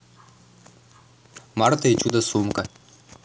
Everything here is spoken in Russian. марта и чудо сумка